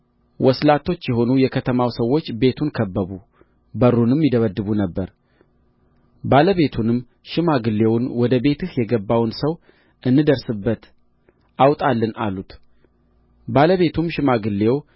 ወስላቶች የሆኑ የከተማው ሰዎች ቤቱን ከበቡ በሩንም ይደበድቡ ነበር ባለቤቱንም ሽማግሌውን ወደ ቤትህ የገባውን ሰው እንድንደርስበት አውጣልን አሉት ባለቤቱም ሽማግሌው